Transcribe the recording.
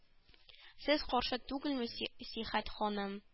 Сез каршы түгелме си сихәт ханым